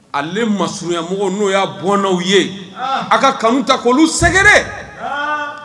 Ale masumayamɔgɔ n'o y'a bɔnnaw ye a ka kanu ta koolu sɛgɛrɛ